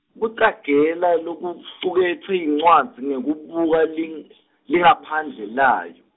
kucagela lokucuketfwe yincwadzi ngekubuka ling- lingaphandle layo.